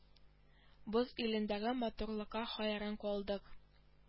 Боз илендәге матурлыкка хәйран калдык